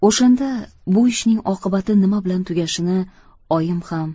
o'shanda bu ishning oqibati nima bilan tugashini oyim ham